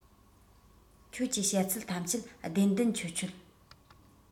ཁྱོད ཀྱིས བཤད ཚད ཐམས ཅད བདེན བདེན འཆོལ འཆོལ